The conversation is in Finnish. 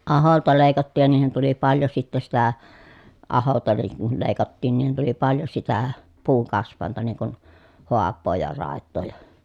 ahoilta leikattiin ja niihin tuli paljon sitten sitä ahoilta niin kun leikattiin niihin tuli paljon sitä puunkasvainta niin kuin haapaa ja raitaa ja